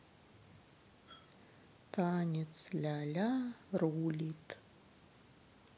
танец ляля рулит